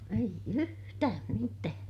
ei yhtään mitään